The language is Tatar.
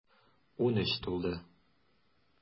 Унөч тулды.